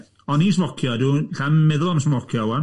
O'n i'n smocio, dwi'n gallu ddim meddwl am smocio ŵan.